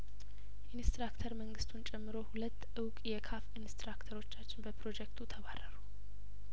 ኢንስትራክተር መንግስቱን ጨምሮ ሁለቱ እውቅ የካፍ ኢንስትራክተሮቻችን በፕሮጀክቱ ተባረሩ